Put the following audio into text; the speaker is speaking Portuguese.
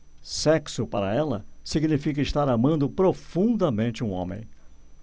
sexo para ela significa estar amando profundamente um homem